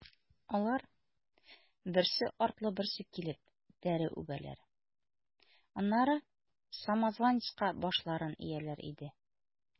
Алар, берсе артлы берсе килеп, тәре үбәләр, аннары самозванецка башларын ияләр иде.